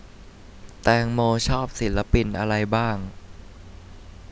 แตงโมชอบศิลปินอะไรบ้าง